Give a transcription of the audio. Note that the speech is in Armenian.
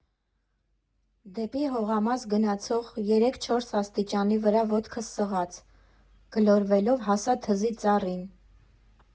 Դեպի հողամաս գնացող երեք֊չորս աստիճանի վրա ոտքս սղաց, գլորվելով հասա թզի ծառին։